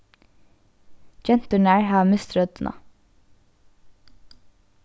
genturnar hava mist røddina